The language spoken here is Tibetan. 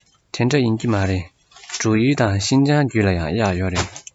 དེ འདྲ ཡིན གྱི མ རེད འབྲུག ཡུལ དང ཤིན ཅང རྒྱུད ལ ཡང གཡག ཡོད རེད